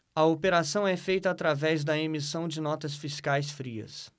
a operação é feita através da emissão de notas fiscais frias